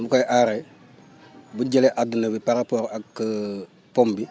ni mu koy aaree bu ñu jëlee adduna bi par rapport ak pomme bi